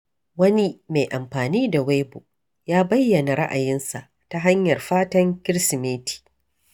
Wani mai amfani da Weibo ya bayyana ra'ayinsa ta hanyar fatan Kirsimeti: